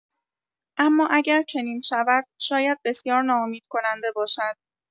اما اگر چنین شود، شاید بسیار ناامیدکننده باشد.